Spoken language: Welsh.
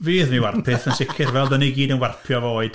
Fydd mi warpith yn sicr, fel dan ni gyd yn warpio efo oed.